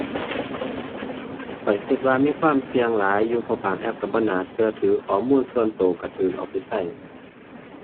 ข้อยคิดว่ามีความเสี่ยงหลายอยู่ เพราะบางแอปคิดบ่น่าคิดถือ ข้อมูลส่วนคิดคิดคิดเอาไปคิด